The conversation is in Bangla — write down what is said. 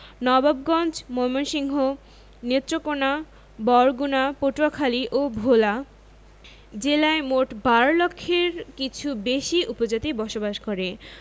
নবাবগঞ্জ ময়মনসিংহ নেত্রকোনা বরগুনা পটুয়াখালী ও ভোলা জেলায় মোট ১২ লক্ষের কিছু বেশি উপজাতি বসবাস করে